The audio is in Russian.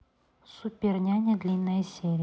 супер няня длинная серия